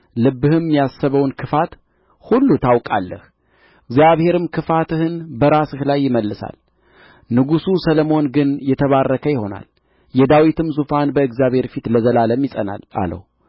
ልብህም ያሰበውን ክፋት ሁሉ ታውቃለህ እግዚአብሔርም ክፋትህን በራስህ ላይ ይመልሳል ንጉሡ ሰሎሞን ግን የተባረከ ይሆናል የዳዊትም ዙፋን በእግዚአብሔር ፊት ለዘላለም ይጸናል አለው